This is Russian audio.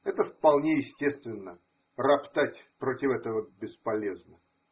Это вполне естественно, роптать против этого бесполезно.